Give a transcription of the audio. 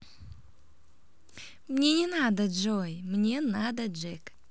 мне не надо джой мне надо jack